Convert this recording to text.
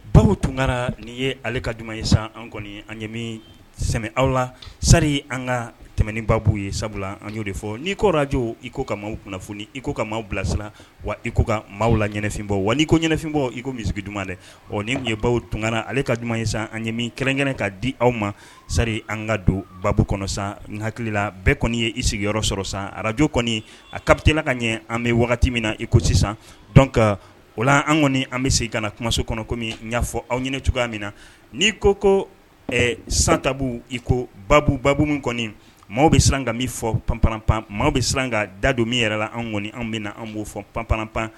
Baw tunkara nin ye ale ka ɲuman ye san an kɔni an yemi sɛ aw la sari an ka tɛmɛen babu ye sabula an y'o de fɔ ni'i ko araj i ko ka maaw kunnafoni i ko ka maaw bilasira wa iko ka maaw la ɲfin bɔ wa i kofin bɔ i min sigi duman dɛ ɔ nin ye baw tunana ale ka ɲumanuma ye san an yemi kɛrɛn kɛnɛrɛn ka' di aw ma sari an ka don baa kɔnɔ san n hakilila bɛɛ kɔni ye i sigi sɔrɔ san ararajo kɔni a kabitela ka ɲɛ an bɛ wagati min na iko sisan dɔn o an kɔni an bɛ se ka kumaso kɔnɔkomi y'a fɔ aw ɲini cogoya min na n'i ko ko santabu iko baabubabu min kɔni maaw bɛ siran ka min fɔ panp pan maaw bɛ siran an ka da don min yɛrɛ la an kɔni an bɛ na an b'o fɔ panpp